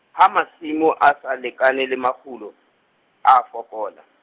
ha masimo a sa lekane le makgulo, a a fokola.